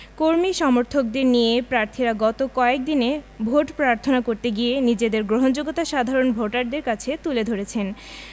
কর্মী সমর্থকদের নিয়ে প্রার্থীরা গত কয়েক দিনে ভোট প্রার্থনা করতে গিয়ে নিজেদের গ্রহণযোগ্যতা সাধারণ ভোটারদের কাছে তুলে ধরেছেন